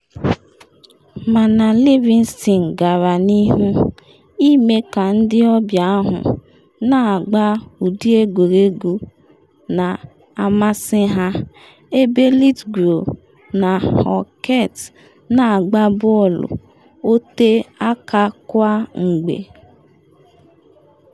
Mana Livingston gara n’ihu ime ka ndị ọbịa ahụ na-agba ụdị egwuregwu na-amasị ha, ebe Lithgow na Halkett na-agba bọọlụ ote aka kwa mgbe.